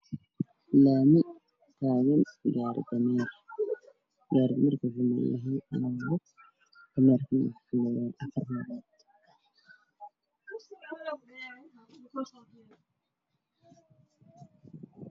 Laami taagan gaadhi gidaarku sadex